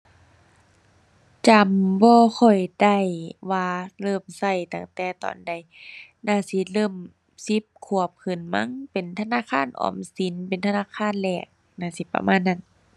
จำบ่ค่อยได้ว่าเริ่มใช้ตั้งแต่ตอนใด น่าสิเริ่มสิบขวบขึ้นมั้ง เป็นธนาคารออมสิน เป็นธนาคารแรก น่าสิประมาณนั้น